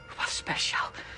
Rwbath sbesial.